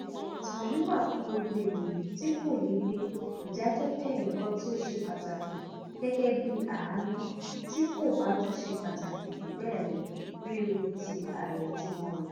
Ìtàn yìí wà fún gbogbo ènìyàn tí kò yé pé ìdájọ́ jẹ́ nǹkan tí ó ṣe pàtàkì, gẹ́gẹ́ bíi àánú - tí kò bá tún ṣe pàtàkì jù bẹ́ẹ̀ lọ, bíi irú tí ààrẹ tí wọ́n yọ.